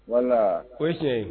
Voilà o ye tiɲɛ ye